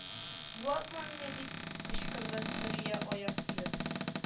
Юатма мине дип кычкырды хөрия аяк тибеп